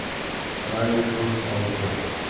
rang ko'r hol so'r